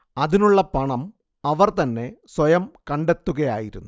അതിനുള്ള പണം അവർ തന്നെ സ്വയം കണ്ടെത്തുകയായിരുന്നു